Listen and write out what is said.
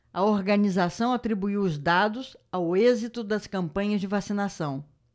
a organização atribuiu os dados ao êxito das campanhas de vacinação